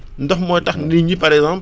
ndox mooy tax nit ñi par exemple